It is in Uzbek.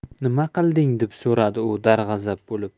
nima qilding deb so'radi u darg'azab bo'lib